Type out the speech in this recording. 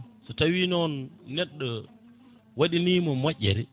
so tawi noon neɗɗo waɗanimo moƴƴere